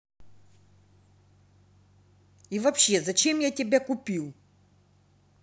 и вообще зачем я тебе купил